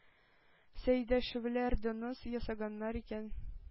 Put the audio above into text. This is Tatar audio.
Сәйдәшевләр донос ясаганнар икән,